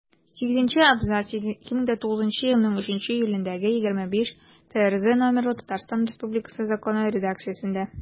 Сигезенче абзац 2009 елның 3 июлендәге 25-ТРЗ номерлы Татарстан Республикасы Законы редакциясендә.